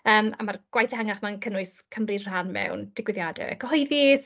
Yym a 'ma'r gwaith ehangach 'ma'n cynnwys cymryd rhan mewn digwyddiadau cyhoeddus.